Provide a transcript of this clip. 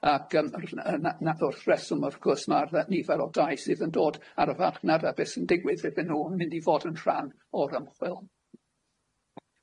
Ac yym na- na- wrth reswm wrth gwrs ma'r yy nifer o dais sydd yn dod ar y farchnad a be' sy'n digwydd fyddyn nw yn mynd i fod yn rhan o'r ymchwil.